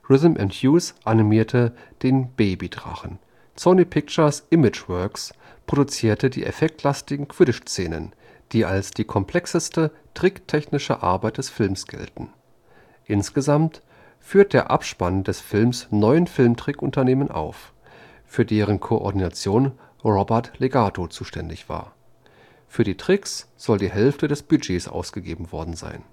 Hues animierte den Baby-Drachen, Sony Pictures Imageworks produzierte die effektlastigen Quidditch-Szenen, die als die komplexeste tricktechnische Arbeit des Films gelten. Insgesamt führt der Abspann des Films neun Filmtrick-Unternehmen auf, für deren Koordination Robert Legato zuständig war. Für die Tricks soll die Hälfte des Budgets ausgegeben worden sein